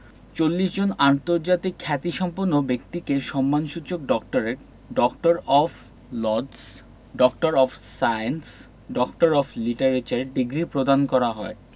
৪০ জন আন্তর্জাতিক খ্যাতিসম্পন্ন ব্যক্তিকে সম্মানসূচক doctorate doctor of laws doctor of science doctor of literature degree প্রদান করা হয়